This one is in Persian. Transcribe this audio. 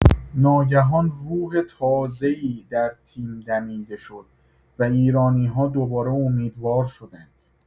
ناگهان روح تازه‌ای در تیم دمیده شد و ایرانی‌‌ها دوباره امیدوار شدند.